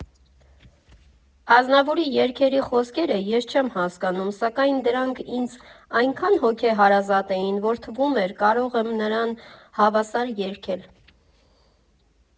Ազնավուրի երգերի խոսքերը ես չեմ հասկանում, սակայն դրանք ինձ այնքան հոգեհարազատ էին, որ թվում էր՝ կարող եմ նրան հավասար երգել։